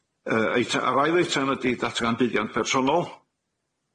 Yy eit- yy yr ail eitem ydi datgan buddiant personol.